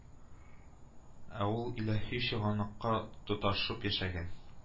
Ә ул илаһи чыганакка тоташып яшәгән